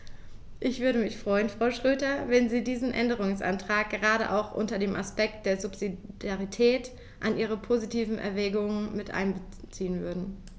Ich würde mich freuen, Frau Schroedter, wenn Sie diesen Änderungsantrag gerade auch unter dem Aspekt der Subsidiarität in Ihre positiven Erwägungen mit einbeziehen würden.